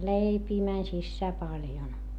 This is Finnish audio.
leipiä meni sisään paljon